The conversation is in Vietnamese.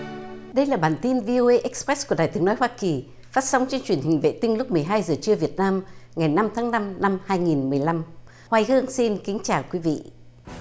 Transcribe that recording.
đây là bản tin vi ô ây ích pét của đài tiếng nói hoa kỳ phát sóng trên truyền hình vệ tinh lúc mười hai giờ trưa vn ngày năm tháng năm năm hai nghìn mười lăm hoài hương xin kính chào quý vị